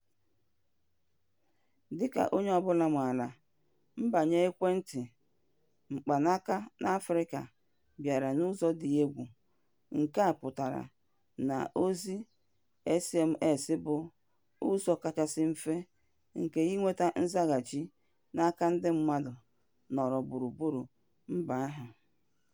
Dịka onye ọbụla maara, mbanye ekwentị mkpanaaka n'Afrịka bịara n'ụzọ dị egwu, nke a pụtara na ozi SMS bụ ụzọ kachasị mfe maka inweta nzaghachi n'aka ndị mmadụ nọ gburugburu mba ahụ.